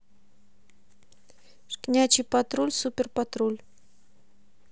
щкнячий патруль супер патруль